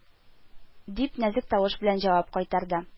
Дип, нәзек тавыш белән җавап кайтарды